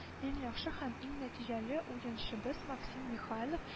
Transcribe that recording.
Иң яхшы һәм иң нәтиҗәле уенчыбыз Максим Михайлов